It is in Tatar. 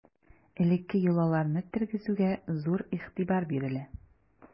Элекке йолаларны тергезүгә зур игътибар бирелә.